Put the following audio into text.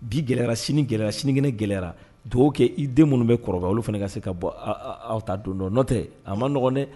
Bi gɛlɛyara sini gɛlɛyara sinikɛnɛ gɛlɛyara duwawu kɛ i den minnu bɛ kɔrɔbaya olu fana ka se ka bɔ a a aw ta dondɔ nɔn tɛɛ a ma nɔgɔn dɛ